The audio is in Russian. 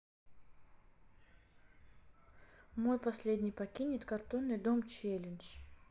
мой последний покинет картонный дом челендж